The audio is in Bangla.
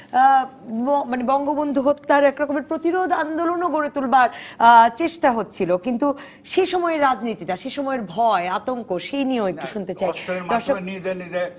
এক রকমের মানে বঙ্গবন্ধু হত্যার এক রকমের প্রতিরোধ আন্দোলন গড়ে তুলবার চেষ্টা হচ্ছিল কিন্তু সেসময় রাজনীতিটা সে সময়ের ভয় আতঙ্ক সে নিয়েও একটু শুনতে চাই অস্ত্রের মাধ্যমে নিয়ে যে